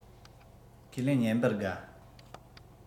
ཁས ལེན ཉན པར དགའ